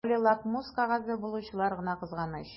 Роле лакмус кәгазе булучылар гына кызганыч.